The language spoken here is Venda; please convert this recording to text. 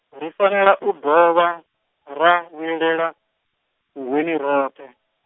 ri fanela u dovha, ra vhuyelela, vhuhweni roṱhe.